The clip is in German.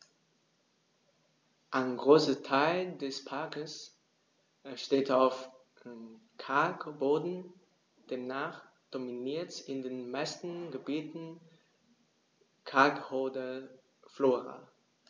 Ein Großteil des Parks steht auf Kalkboden, demnach dominiert in den meisten Gebieten kalkholde Flora.